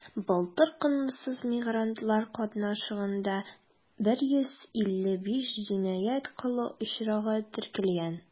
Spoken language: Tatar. Былтыр канунсыз мигрантлар катнашлыгында 155 җинаять кылу очрагы теркәлгән.